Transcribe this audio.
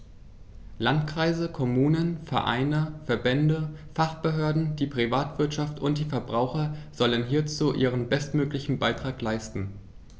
Landkreise, Kommunen, Vereine, Verbände, Fachbehörden, die Privatwirtschaft und die Verbraucher sollen hierzu ihren bestmöglichen Beitrag leisten.